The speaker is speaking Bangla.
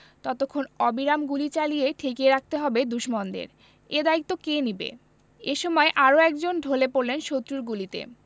ততক্ষণ অবিরাম গুলি চালিয়ে ঠেকিয়ে রাখতে হবে দুশমনদের এ দায়িত্ব কে নেবে এ সময় আরও একজন ঢলে পড়লেন শত্রুর গুলিতে